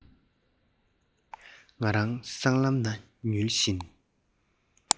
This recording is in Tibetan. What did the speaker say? ང རང སྲང ལམ ན ཉུལ བཞིན